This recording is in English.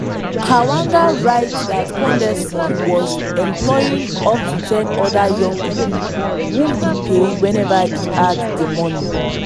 Kawanga writes that Kondesi was employing up to ten other young people, whom he paid whenever he had the money.